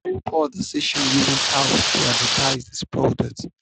"Very poor decision using cows to advertise this product.